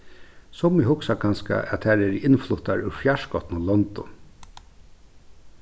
summi hugsa kanska at tær eru innfluttar úr fjarskotnum londum